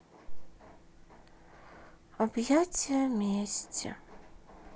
объятия мести